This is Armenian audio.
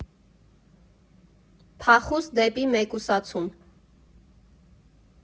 Փախուստ դեպի մեկուսացում։